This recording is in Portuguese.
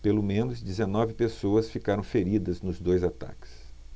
pelo menos dezenove pessoas ficaram feridas nos dois ataques